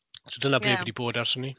So dyna ble... ie. ...fi 'di bod ers hynny.